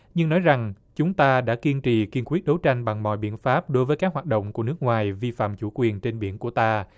nhưng nói rằng chúng ta đã kiên trì kiên quyết đấu tranh bằng mọi biện pháp đối với các hoạt động của nước ngoài vi phạm chủ quyền trên biển của ta